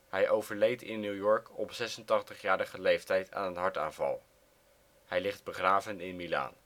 Hij overleed in New York op 86-jarige leeftijd aan een hartaanval. Hij ligt begraven in Milaan